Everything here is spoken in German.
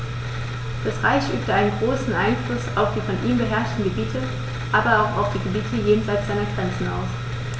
Das Reich übte einen großen Einfluss auf die von ihm beherrschten Gebiete, aber auch auf die Gebiete jenseits seiner Grenzen aus.